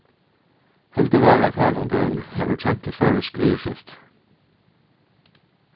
hildið verður at høvundurin hevur kent til føroysk viðurskifti